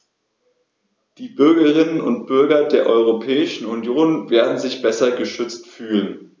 Die Bürgerinnen und Bürger der Europäischen Union werden sich besser geschützt fühlen.